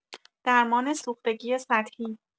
درمان سوختگی سطحی!